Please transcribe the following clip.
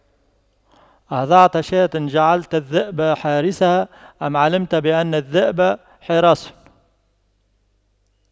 أضعت شاة جعلت الذئب حارسها أما علمت بأن الذئب حراس